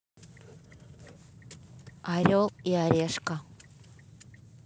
орел и орешка